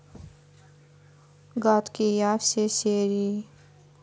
гадкий я все серии